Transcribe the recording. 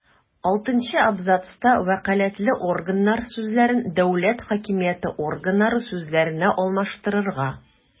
Алтынчы абзацта «вәкаләтле органнар» сүзләрен «дәүләт хакимияте органнары» сүзләренә алмаштырырга;